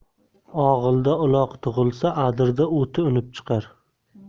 og'ilda uloq tug'ilsa adirda o'ti unib chiqar